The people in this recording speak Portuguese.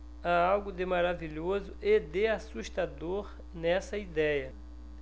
há algo de maravilhoso e de assustador nessa idéia